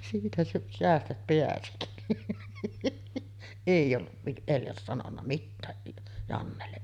siitä - säästät pääsi ei ollut - Eljas sanonut mitään Jannelle